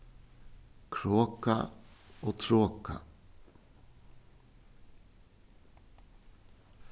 kroka og troka